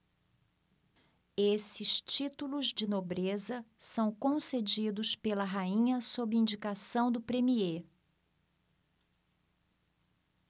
esses títulos de nobreza são concedidos pela rainha sob indicação do premiê